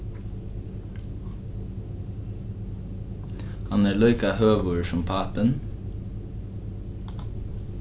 hann er líka høgur sum pápin